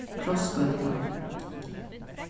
krossgøta